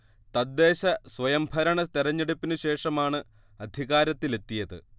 തദ്ദേശ സ്വയംഭരണ തെരഞ്ഞെടുപ്പിനു ശേഷമാണ് അധികാരത്തിലെത്തിയത്